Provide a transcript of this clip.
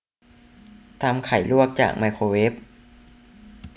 ทำไข่ลวกจากไมโครเวฟ